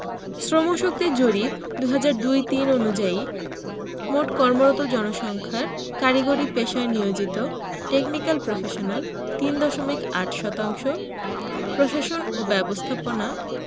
শ্রমশক্তি জরিপ ২০০২ ০৩ অনুযায়ী মোট কর্মরত জনসংখ্যার কারিগরি পেশায় নিয়োজিত টেকনিকাল প্রফেশনাল ৩ দশমিক ৮ শতাংশ প্রশাসন ও ব্যবস্থাপনা